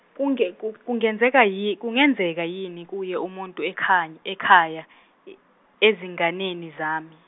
kunge- kungenzeka yi- kungenzeka yini kuye umuntu ekhanya- ekhaya , e- ezinganeni zami.